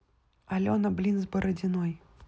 алена блин с бородиной